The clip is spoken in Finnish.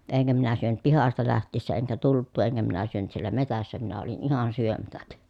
enkä minä syönyt pihasta lähtiessä enkä tultua enkä minä syönyt siellä metsässä minä olin ihan syömättä